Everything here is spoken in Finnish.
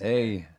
ei